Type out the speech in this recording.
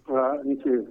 H i ce